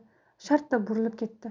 shartta burilib ketdi